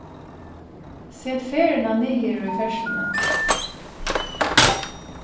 set ferðina niður í ferðsluni